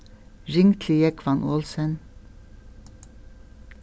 ring til jógvan olsen